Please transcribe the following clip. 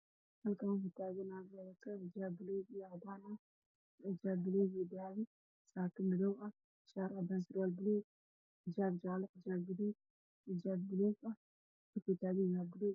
Waxaa ii muuqda gabdho iyo niman isku dhex jireen oo taagan meel niman wataan shaatiya gabdho watana dhar calan iyo diraayo